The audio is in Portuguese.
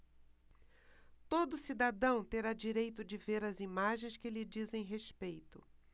todo cidadão terá direito de ver as imagens que lhe dizem respeito